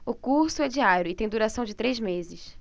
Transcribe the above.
o curso é diário e tem duração de três meses